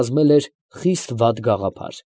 Կազմել էր խիստ վատ գաղափար։